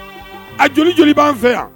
A joli joli b'an fɛ yan